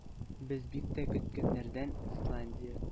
Без бик тә көткәннәрдән - Исландия.